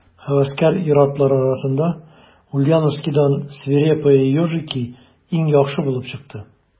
Һәвәскәр ир-атлар арасында Ульяновскидан «Свирепые ежики» иң яхшы булып чыкты.